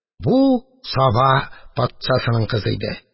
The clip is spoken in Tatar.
Бу Саба патшасының кызы иде.